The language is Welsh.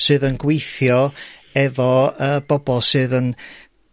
sydd yn gweithio efo yy bobol sydd yn